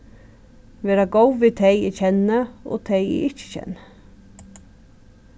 verða góð við tey eg kenni og tey eg ikki kenni